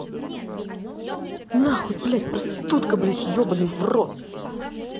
нахуй блядь проститутка блядь ебаный в рот